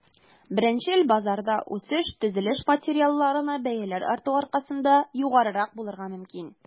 Беренчел базарда үсеш төзелеш материалларына бәяләр арту аркасында югарырак булырга мөмкин.